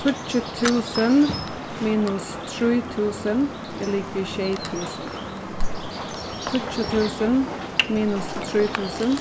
tíggju túsund minus trý túsund er ligvið sjey túsund tíggju túsund minus trý túsund